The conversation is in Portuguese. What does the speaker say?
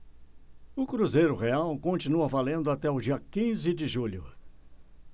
o cruzeiro real continua valendo até o dia quinze de julho